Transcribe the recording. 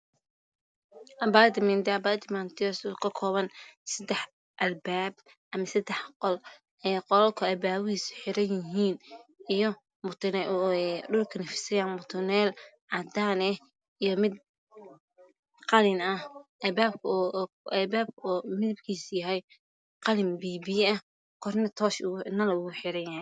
Cabaayad mumtaaz ka kooban qol xiran yihiin alabaab ka midabkiisa yahay jaale Korna nal ooga xiran yahay